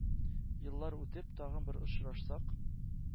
Еллар үтеп, тагын бер очрашсак,